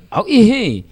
Aw i h